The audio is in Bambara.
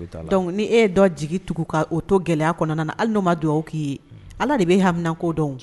Donc nin e ye dɔ jigi tugu ka o to gɛlɛya kɔnɔna hali n'u ma dugawu k'i ye ala de bɛ hamina ko dɔn o.